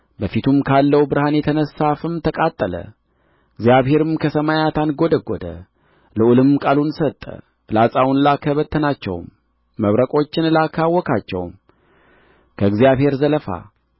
በፊቱም ካለው ብርሃን የተነሣ ፍም ተቃጠለ እግዚአብሔርም ከሰማያት አንጐደጐደ ልዑልም ቃሉን ሰጠ ፍላጻውን ላከ በተናቸውም መብረቆችን ላከ አወካቸውም ከእግዚአብሔር ዘለፋ